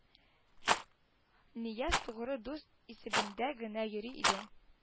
Нияз тугры дус исәбендә генә йөри иде